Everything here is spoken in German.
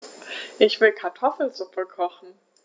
Ich will Kartoffelsuppe kochen.